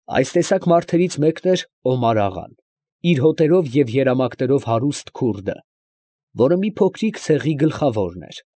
Այս տեսակ մարդերից մեկն էր Օմար աղան, իր հոտերով և երամակներով հարուստ քուրդը, որը մի փոքրիկ ցեղի գլխավորն էր։